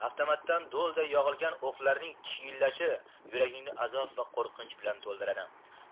avtomatdan do'lday yog'ilgan o'qlarning chiyillashi yuragingni azob va qo'rqinch bilan to'ldiradi